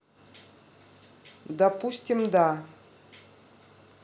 допустим да